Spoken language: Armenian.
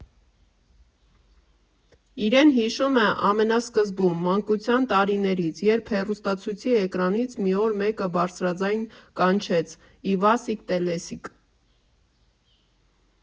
Իրեն հիշում է ամենասկզբում, մանկության տարիներից, երբ հեռուստացույցի էկրանից մի օր մեկը բարձրաձայն կանչեց՝ «Իվասիկ տելեսիկ»։